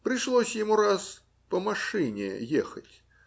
Пришлось ему раз по машине ехать